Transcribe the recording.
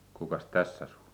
kukas tässä asuu